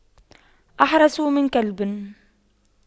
أحرس من كلب